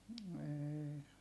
ei